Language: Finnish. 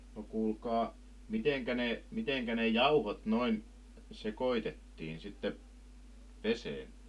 no kuulkaa miten ne miten ne jauhot noin sekoitettiin sitten veteen